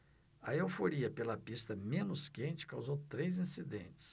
a euforia pela pista menos quente causou três incidentes